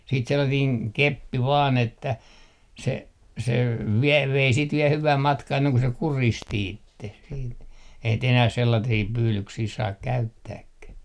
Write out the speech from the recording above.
sitten sellainen keppi vain että se se vielä vei sitten vielä hyvän matkaa ennen kuin se kuristi itsensä sitten eihän nyt enää sellaisia pyydyksiä saa käyttääkään